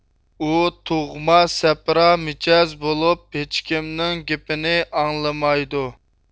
ئۇ تۇغما سەپرا مىجەز بولۇپ ھېچكىمنىڭ گېپىنى ئاڭلىمايدۇ